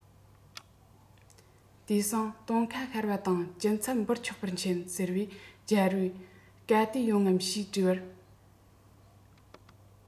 དུས སང སྟོན ཁ ཤར བ དང སྐྱིད ཚབ འབུལ ཆོག པ མཁྱེན ཟེར བས རྒྱལ པོས ག དུས ཡོང ངམ ཞེས དྲིས པར